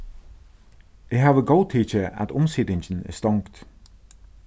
eg havi góðtikið at umsitingin er stongd